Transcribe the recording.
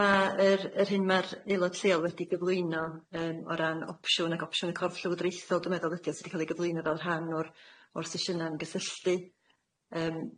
Ma' yr yr hyn ma'r aelod lleol wedi gyflwyno yym o ran opsiwn ac opsiwn y corff llywodraethol dwi meddwl ydi o, sy 'di ca'l ei gyflwyno fel rhan o'r o'r sesiyna' ymysylltu, yym